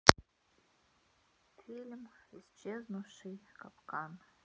фильм исчезнувший капкан